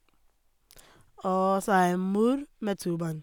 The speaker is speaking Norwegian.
Og så er jeg mor med to barn.